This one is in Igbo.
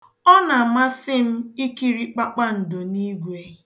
Ọ na-amasị m ikiri kpakpando n'igwe.